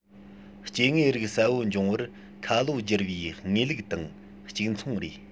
སྐྱེ དངོས རིགས གསལ པོ འབྱུང བར ཁ ལོ བསྒྱུར པའི ངེས ལུགས དང གཅིག མཚུངས རེད